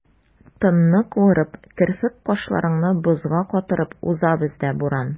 Тынны куырып, керфек-кашларыңны бозга катырып уза бездә буран.